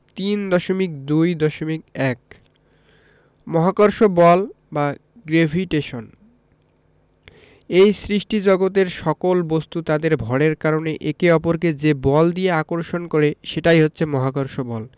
৩.২.১ মহাকর্ষ বল বা গ্রেভিটেশন এই সৃষ্টিজগতের সকল বস্তু তাদের ভরের কারণে একে অপরকে যে বল দিয়ে আকর্ষণ করে সেটাই হচ্ছে মহাকর্ষ বল